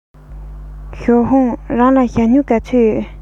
ཞའོ ཧུང རང ལ ཞྭ སྨྱུག ག ཚོད ཡོད